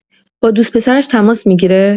با دوست‌پسرش تماس می‌گیره؟